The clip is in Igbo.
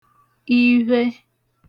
ivhe